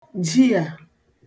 jià